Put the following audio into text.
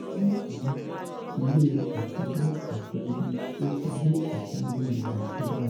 "A ní àwọn ile àtijọ́, ọ̀pọ̀ igi tí ó ti gbó àti gbogbo ibùgbé tí ó dára.